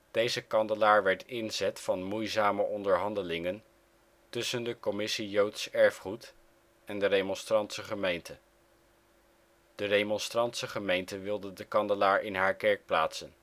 Deze kandelaar werd inzet van moeizame onderhandelingen tussen de Commissie Joods Erfgoed en de remonstrantse gemeente. De remonstrantse gemeente wilde de kandelaar in haar kerk plaatsen